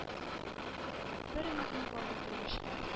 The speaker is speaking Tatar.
Бер өмитем калды тормышта: